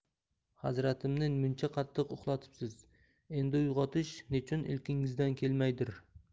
hazratimni muncha qattiq uxlatibsiz endi uy g'otish nechun ilkingizdan kelmaydir